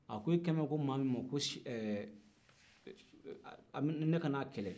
a ko e kan bɛ maa min ma ko eee ne ka n'a kɛlɛ